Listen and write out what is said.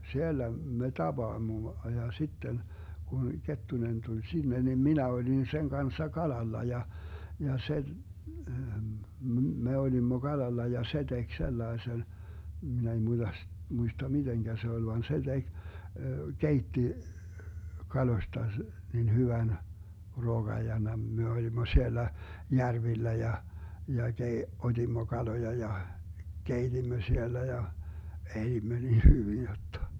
siellä me tapaamme ja sitten kun Kettunen tuli sinne niin minä olin sen kanssa kalalla ja ja se - me olimme kalalla ja se teki sellaisen minä ei - muista miten se oli vaan se teki keitti kaloista niin hyvän ruoan ja - me olimme siellä järvillä ja ja - otimme kaloja ja keitimme siellä ja elimme niin hyvin jotta